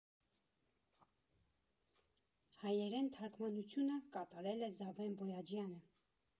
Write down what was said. Հայերեն թարգմանությունը կատարել է Զավեն Բոյաջյանը։